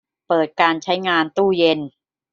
เปิดการใช้งานตู้เย็น